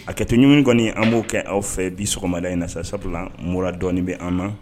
A hakɛ toumuni kɔni an b'o kɛ aw fɛ bi sɔgɔma la in na sabula m dɔɔninɔni bɛ an ma